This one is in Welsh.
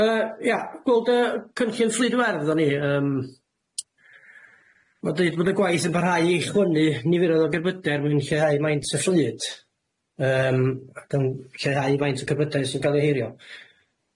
Yy ia gweld y cynllun fflydwerdd o'n i yym, ma'n deud bod y gwaith yn parhau i chwynu nifer o gerbyder wedyn lleihau maint y fflyd, yym ac yn lleihau maint y cerbydau sy'n ca'l eu heirio.